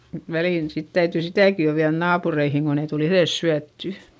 mutta väliin sitten täytyy sitäkin jo viedä naapureihin kun ei tule itse syötyä